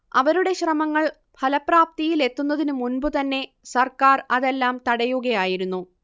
അവരുടെ ശ്രമങ്ങൾ ഫലപ്രാപ്തിയിലെത്തുന്നതിനു മുമ്പു തന്നെ സർക്കാർ അതെല്ലാം തടയുകയായിരുന്നു